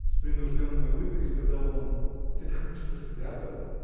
— с принужденной улыбкой сказал он. — Ты так быстро спрятала.